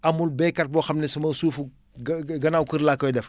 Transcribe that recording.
amul béykat boo xam ne suma suuf ga gannaaw kër la koy def